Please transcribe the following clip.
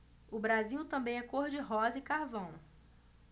o brasil também é cor de rosa e carvão